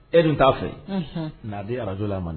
Edu t'a fɛ n'a di arajola ma